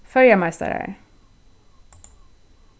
føroyameistarar